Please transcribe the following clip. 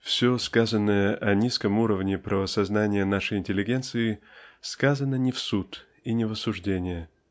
Все сказанное о низком уровне правосознания нашей интеллигенции сказано не в суд и не в осуждение.